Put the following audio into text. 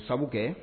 Sabu